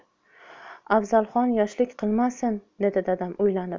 afzalxon yoshlik qilmasin dedi dadam o'ylanib